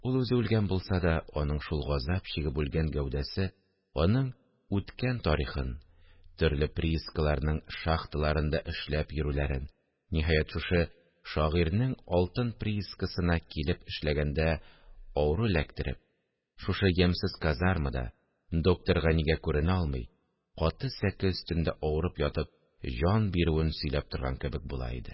Ул үзе үлгән булса да, аның шул газап чигеп үлгән гәүдәсе аның үткән тарихын, төрле приискаларның шахталарында эшләп йөрүләрен, ниһаять, шушы «Шагыйрьнең алтын приискасы»на килеп эшләгәндә авыру эләктереп, шушы ямьсез казармада, докторга-нигә күренә алмый, каты сәке өстендә авырып ятып җан бирүен сөйләп торган кебек була иде